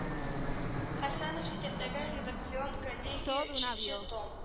Хәсәнов җитәкләгән редакцион коллегия оченче том